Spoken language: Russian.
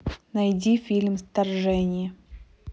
найди фильм вторжение